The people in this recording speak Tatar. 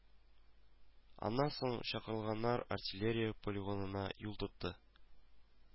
Аннан соң чакырылганнар Артиллерия полигонына юл тотты